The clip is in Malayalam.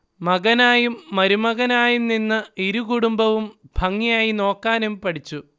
മകനായും മരുമകനായും നിന്ന് ഇരു കുടുംബവും ഭംഗിയായി നോക്കാനും പഠിച്ചു